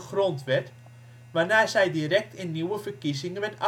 Grondwet, waarna zij direct in nieuwe verkiezingen